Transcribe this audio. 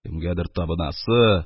Кемгәдер табынасы